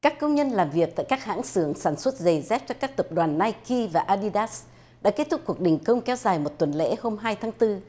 các công nhân làm việc tại các hãng xưởng sản xuất giày dép cho các tập đoàn nai ki và a đi đát đã kết thúc cuộc đình công kéo dài một tuần lễ hôm hai tháng tư